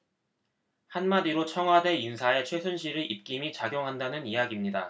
한 마디로 청와대 인사에 최순실의 입김이 작용한다는 이야깁니다